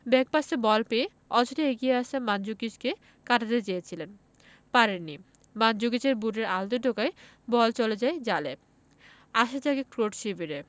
ব্যাকপাসে ball পেয়ে অযথা এগিয়ে আসা মানজুকিচকে কাটাতে চেয়েছিলেন পারেননি মানজুকিচের বুটের আলতো টোকায় বল চলে যায় জালে আশা জাগে ক্রোট শিবিরে